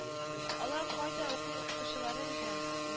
Алар кайда укый укытучылары кем